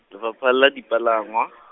Lefapha la Dipalangwa.